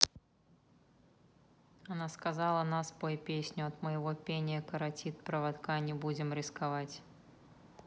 она сказала на спой песню от моего пения каратит проводка не будем рисковать